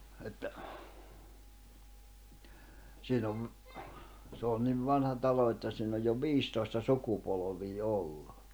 että siinä on se on niin vanha talo että siinä on jo viisitoista sukupolvea ollut